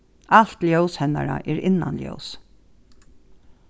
alt ljós hennara er innanljós